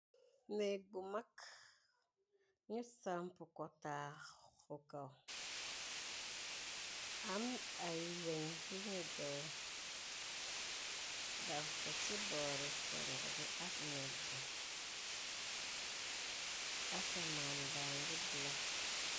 Nekg bu mag, ñu sàmp ko taax fu kaw, am ay weñ yi ñu jël daf ko ci boore seng bi ak nekk bi, asamaan baa ngi bu la.